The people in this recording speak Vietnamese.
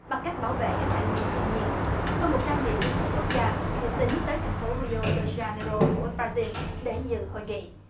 bằng cách bảo vệ các tài nguyên thiên nhiên hơn một trăm vị nguyên thủ quốc gia dự tính tới thành phố ri ô đờ gia nê rô của bờ ra rin để dự hội nghị